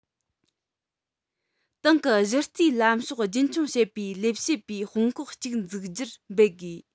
ཏང གི གཞི རྩའི ལམ ཕྱོགས རྒྱུན འཁྱོངས བྱེད པའི ལས བྱེད པའི དཔུང ཁག ཅིག འཛུགས རྒྱུར འབད དགོས